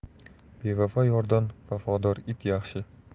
bevafo yordan vafodor it yaxshi